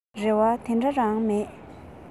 རེ བ ད ག ཟེ རེད